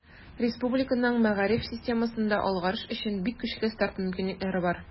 Республиканың мәгариф системасында алгарыш өчен бик көчле старт мөмкинлекләре бар.